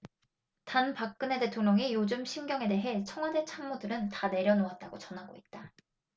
단박근혜 대통령의 요즘 심경에 대해 청와대 참모들은 다 내려놓았다고 전하고 있다